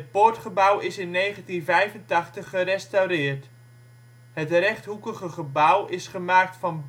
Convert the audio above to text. poortgebouw is in 1985 gerestaureerd. Het rechthoekige gebouw is gemaakt van